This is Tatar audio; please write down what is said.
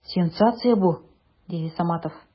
Сенсация бу! - диде Саматов.